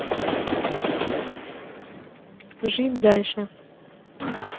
жить дальше